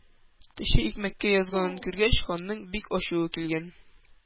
Төче икмәккә язганын күргәч, ханның бик ачуы килгән: